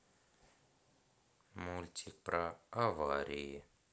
мультик про аварии